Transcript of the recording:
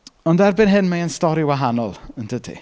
Ond erbyn hyn, mae e'n stori wahanol, yn dydy.